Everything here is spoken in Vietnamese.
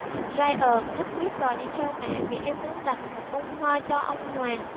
ryan nhất quyết đòi đi theo mẹ vì em muốn đặt một bông hoa cho ông hoàng